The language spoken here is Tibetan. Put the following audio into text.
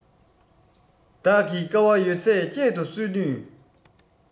བདག གིས དཀའ བ ཡོད ཚད ཁྱད དུ གསོད ནུས